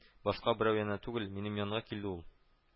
Башка берәү янына түгел, минем янга килде ул